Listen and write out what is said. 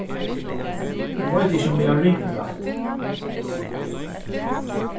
eg veit ikki um eg havi ringt rætt